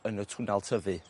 yn y twnal tyfu.